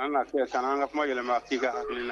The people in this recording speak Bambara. An san an ka kuma yɛlɛma fɔ